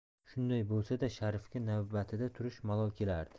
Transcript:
shunday bo'lsa da sharifga navbatda turish malol kelardi